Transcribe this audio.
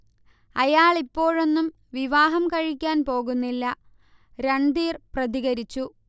അയാളിപ്പോഴൊന്നും വിവാഹം കഴിക്കാൻ പോകുന്നില്ല- രൺധീർ പ്രതികരിച്ചു